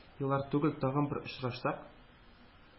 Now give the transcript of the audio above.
Еллар үтеп, тагын бер очрашсак,